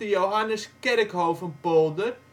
Johannes Kerkhovenpolder